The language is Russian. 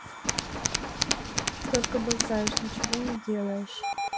только болтаешь ничего не делаешь